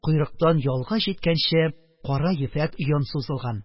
Койрыктан ялга җиткәнче, кара ефәк йон сузылган.